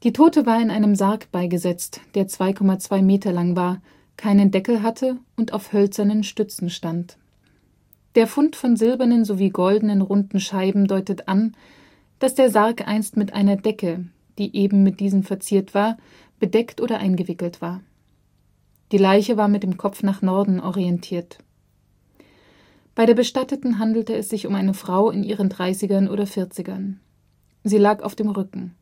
Tote war in einem Sarg beigesetzt, der 2,2 m lang war, keinen Deckel hatte und auf hölzernen Stützen stand. Der Fund von silbernen sowie goldenen, runden Scheiben, deutet an, dass der Sarg einst mit einer Decke, die eben mit diesen verziert waren, bedeckt oder eingewickelt war. Die Leiche war mit dem Kopf nach Norden orientiert. Bei der Bestatteten handelte es sich um eine Frau in ihren dreißigern oder vierzigern. Sie lag auf den Rücken